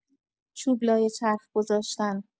چوب لای چرخ گذاشتن